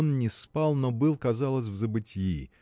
Он не спал, но был, казалось, в забытьи.